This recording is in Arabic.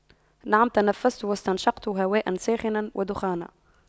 نعم تنفست واستنشقت هواء ساخنا ودخانا